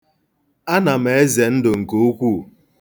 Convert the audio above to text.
Ana m eze ndụ nke ukwuu.